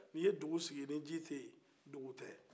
ni i ye dugu sigi ni ji tɛ ye dugu tɛ